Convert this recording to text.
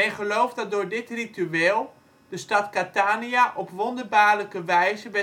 gelooft dat door dit ritueel de stad Catania op wonderbaarlijke wijze